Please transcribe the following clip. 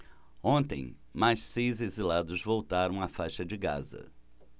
ontem mais seis exilados voltaram à faixa de gaza